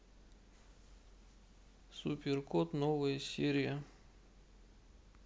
супер кот новые серии